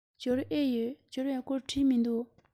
འབྱོར ཨེ ཡོད འབྱོར བའི སྐོར བྲིས མི འདུག